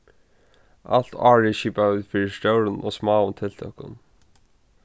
alt árið skipa vit fyri stórum og smáum tiltøkum